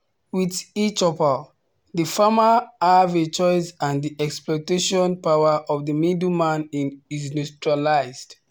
With eChoupal, the farmers have a choice and the exploitative power of the middleman is neutralised.